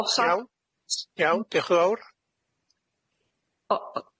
Os a- Iawn iawn diolch yn fawr.